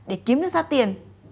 để kiếm được ra tiền